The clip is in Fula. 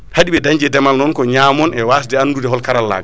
haɗiɓe dañde e deemal non ko ñamon e wasde andude hol karallagal